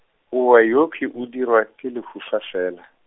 owe yokhwi o dirwa, ke lehufa fela.